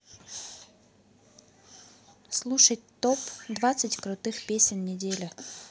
слушать топ двадцать крутых песен недели